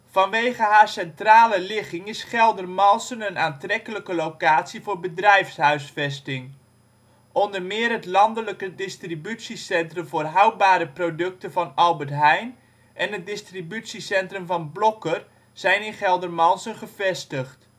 Vanwege haar centrale ligging is Geldermalsen een aantrekkelijke locatie voor bedrijfshuisvesting. Onder meer het landelijke distributiecentrum voor houdbare producten van Albert Heijn en het distributiecentrum van Blokker zijn in Geldermalsen gevestigd